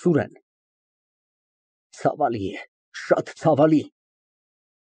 ՍՈՒՐԵՆ ֊ Ցավալի է, շատ ցավալի։